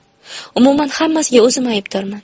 umuman hammasiga o'zim aybdorman